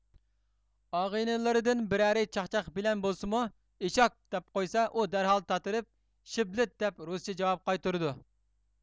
ئاغىنىلىرىدىن بىرەرى چاقچاق بىلەن بولسىمۇ ئىشاك دەپ قويسا ئۇدەرھال تاتىرىپ شىبلىت دەپ رۇسچە جاۋاب قايتۇرىدۇ